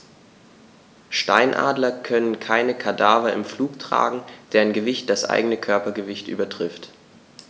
Steinadler können keine Kadaver im Flug tragen, deren Gewicht das eigene Körpergewicht übertrifft.